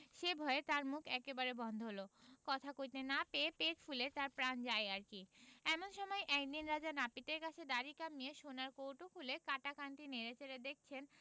সেই ভয়ে তার মুখ একেবারে বন্ধ হল কথা কইতে না পেয়ে পেট ফুলে তার প্রাণ যায় আর কি এমন সময় একদিন রাজা নাপিতের কাছে দাড়ি কামিয়ে সোনার কৌটো খুলে কাটা কানটি নেড়ে চেড়ে দেখছেন